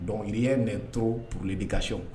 Donc lien n'est trop pour l'éducation